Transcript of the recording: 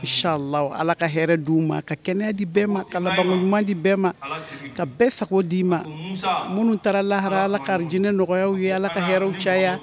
Sayanla ala ka hɛrɛ d' ma ka kɛnɛya di bɛɛ ma kaba ɲuman di bɛɛ ma ka bɛɛ sago d di'i ma minnu taara lahara ala kacinɛ nɔgɔyaya ye ala ka hɛrɛɛw caya